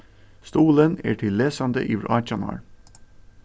stuðulin er til lesandi yvir átjan ár